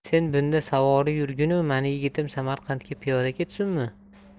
sen bunda savori yurginu mani yigitim samarqandga piyoda ketsunmi